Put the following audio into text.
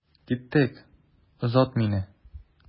Киттек, озат мине.